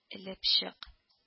Элеп чык